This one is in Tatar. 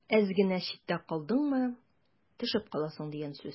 Әз генә читтә калдыңмы – төшеп каласың дигән сүз.